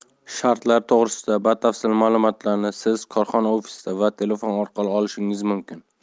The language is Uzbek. shartlar to'g'risida batafsil ma'lumotni siz korxona ofisida va telefon orqali olishingiz mumkin